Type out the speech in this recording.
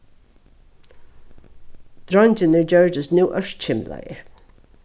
dreingirnir gjørdust nú ørkymlaðir